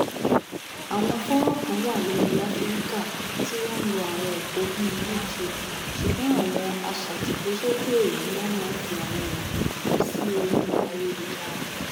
Àwọn fọ́nràn kan wà lórí Africa in Video tí wọ́n ń lo àwọn òpò bíi YouTube ṣùgbọ́n àwọn aṣàtìpósókèèrè ni wọ́n máa ń fi àwọn wọ̀nyẹn sí orí ayélujára.